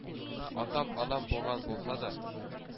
Атам-анам булган булса да,